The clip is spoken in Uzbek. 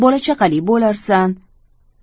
bola chaqali bo'larsan